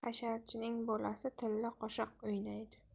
hasharchining bolasi tilla qoshiq o'ynaydi